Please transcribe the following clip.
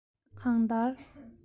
གང ལྟར